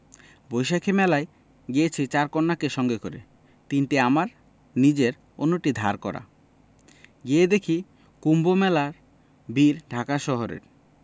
বৈশাখী মেলায় গিয়েছি চার কন্যাকে সঙ্গে করে তিনটি অামার নিজের অন্যটি ধার করা গিয়ে দেখি কুম্ভমেলার ভিড় ঢাকা শহরের